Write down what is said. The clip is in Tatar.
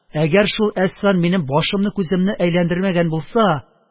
Әгәр шул Әсфан минем башымны-күземне әйләндермәгән булса...